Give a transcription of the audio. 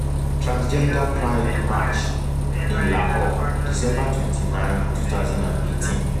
Transgender Pride March in Lahore, December 29, 2018.